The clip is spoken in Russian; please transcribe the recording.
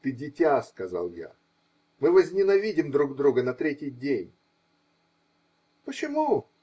-- Ты -- дитя, сказал я, -- мы возненавидим друг друга на третий день. -- Почему?